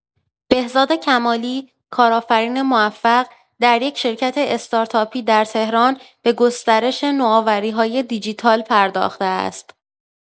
بهزاد کمالی، کارآفرین موفق، در یک شرکت استارتاپی در تهران به گسترش نوآوری‌های دیجیتال پرداخته است.